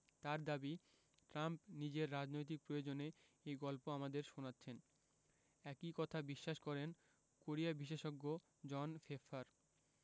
তাঁর দাবি ট্রাম্প নিজের রাজনৈতিক প্রয়োজনে এই গল্প আমাদের শোনাচ্ছেন একি কথা বিশ্বাস করেন কোরিয়া বিশেষজ্ঞ জন ফেফফার